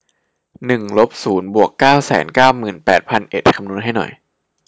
หนึ่งลบศูนย์บวกเก้าแสนเก้าหมื่นแปดพันเอ็ดคำนวณให้หน่อย